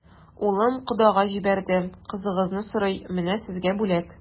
Улым кодага җибәрде, кызыгызны сорый, менә сезгә бүләк.